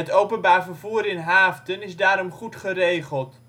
openbaar vervoer in Haaften is daarom goed geregeld